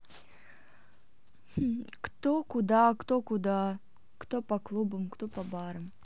кто куда кто куда кто по клубам кто по барам